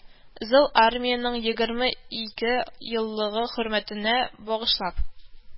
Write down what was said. Зыл армиянең егерме ике еллыгы хөрмәтенә багышлап,